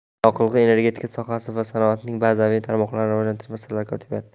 yoqilg'i energetika sohasi va sanoatning bazaviy tarmoqlarini rivojlantirish masalalari kotibiyati